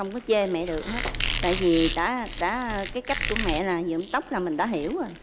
không có chê mẹ được hết tại vì đã đã cái cách của mẹ là nhuộm tóc là mình đã hiểu rồi